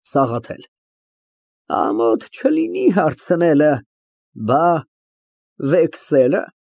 ՍԱՂԱԹԵԼ ֊ Ամոթ չլինի հարցնել. ֊ բաս վե՞քսիլը։